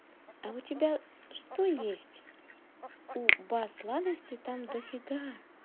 а у тебя что там есть у ба сладости там дофига